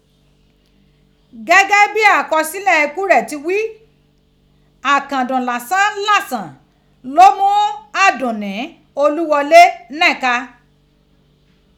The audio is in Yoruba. Gẹgẹ bi akọsilẹ iku rẹ ti ghi, akandun lásán làsàn lo mu Adunni Olughole ni ika.